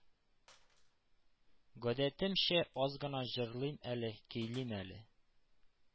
Гадәтемчә аз гына җырлыйм әле, көйлим әле.